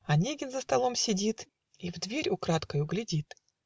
Онегин за столом сидит И в дверь украдкою глядит.